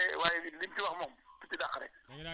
bi bi ngay tàmbalee jiw sax nga koy commencer